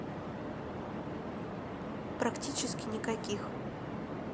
практически никаких